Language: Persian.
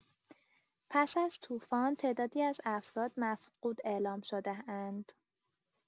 پس از طوفان، تعدادی از افراد مفقود اعلام شده‌اند.